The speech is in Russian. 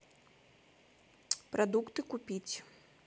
продукты купить